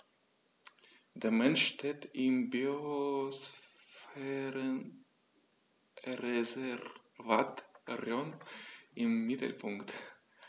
Der Mensch steht im Biosphärenreservat Rhön im Mittelpunkt.